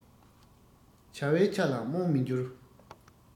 བྱ བའི ཆ ལ རྨོངས མི འགྱུར